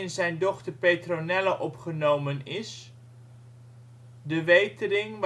zijn dochter Petronella opgenomen is, de wetering